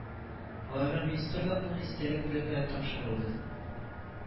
Аларга министрлыкның истәлек бүләкләре тапшырылды